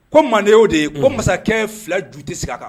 Ko manden o de ye ko masakɛ fila ju tɛ sigi a kan